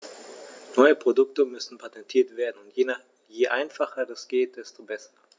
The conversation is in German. Neue Produkte müssen patentiert werden, und je einfacher das geht, desto besser.